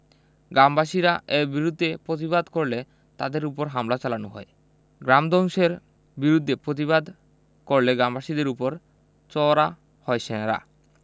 গ্রামবাসীরা এর বিরুদ্ধে প্রতিবাদ করলে তাদের ওপর হামলা চালানো হয় গ্রাম ধ্বংসের বিরুদ্ধে প্রতিবাদ করলে গ্রামবাসীদের ওপর চওড়া হয় সেনারা